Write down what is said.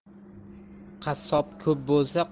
qassob ko'p bo'lsa